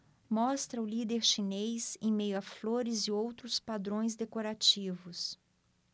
mostra o líder chinês em meio a flores e outros padrões decorativos